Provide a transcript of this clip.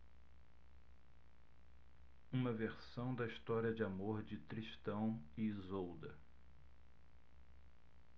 uma versão da história de amor de tristão e isolda